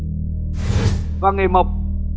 may và nghề mộc